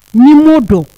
Numun don